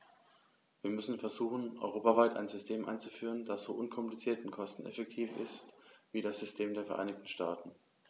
Wir müssen versuchen, europaweit ein System einzuführen, das so unkompliziert und kosteneffektiv ist wie das System der Vereinigten Staaten.